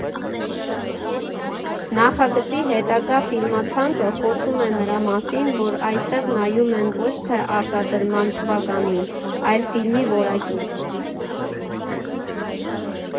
Նախագծի հետագա ֆիլմացանկը խոսում է նրա մասին, որ այստեղ նայում են ոչ թե արտադրման թվականին, այլ ֆիլմի որակին.